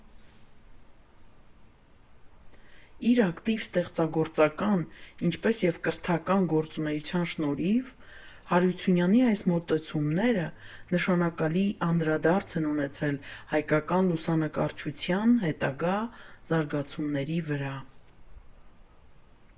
Իր ակտիվ ստեղծագործական, ինչպես և կրթական գործնեության շնորհիվ, Հարությունյանի այս մոտեցումները նշանակալի անդրադարձ են ունեցել հայկական լուսանկարչության հետագա զարգացումների վրա։